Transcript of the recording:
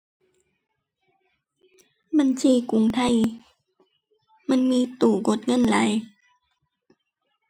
บัญชีกรุงไทย มันมีตู้กดเงินหลาย